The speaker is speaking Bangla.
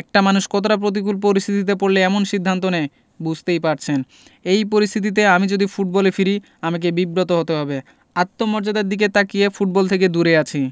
একটা মানুষ কতটা প্রতিকূল পরিস্থিতিতে পড়লে এমন সিদ্ধান্ত নেয় বুঝতেই পারছেন এই পরিস্থিতিতে আমি যদি ফুটবলে ফিরি আমাকে বিব্রত হতে হবে আত্মমর্যাদার দিকে তাকিয়ে ফুটবল থেকে দূরে আছি